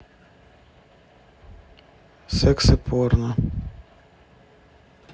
секс и порно